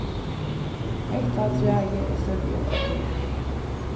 hetta træið er størri enn øll hini